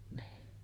niin